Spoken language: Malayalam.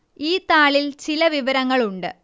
ഈ താളിൽ ചില വിവരങ്ങളുണ്ട്